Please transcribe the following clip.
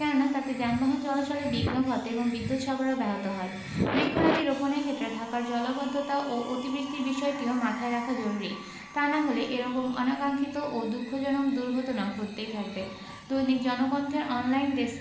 কেননা তাতে যানবাহন চলাচলে বিঘ্ন ঘটে এবং বিদ্যুত সরবরাহ ব্যাহত হতে পারে বৃক্ষরাজি রোপণের ক্ষেত্রে ঢাকার জলাবদ্ধতা ও অতি বৃষ্টির বিষয়টিও মাথায় রাখা জরুরী তা না হলে এ রকম অনাকাংক্ষিত ও দুঃখজনক দুর্ঘটনা ঘটতেই থাকবে দৈনিক জনকণ্ঠের অনলাইন ডেস্ক